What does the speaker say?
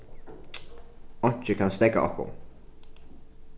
einki kann steðga okkum